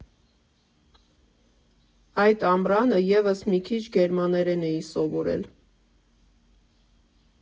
Այդ ամռանը ևս մի քիչ գերմաներեն էի սովորել։